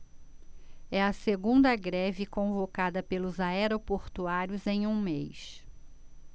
é a segunda greve convocada pelos aeroportuários em um mês